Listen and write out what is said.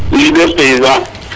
leader Sergent